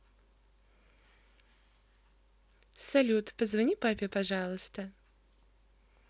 салют позвони папе пожалуйста